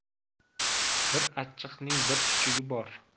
bir achchiqning bir chuchugi bor